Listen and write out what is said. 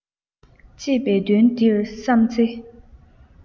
ཅེས པའི དོན འདིར བསམ ཚེ